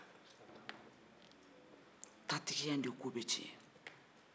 tatigiya in ye ko bɛɛ tiɲɛ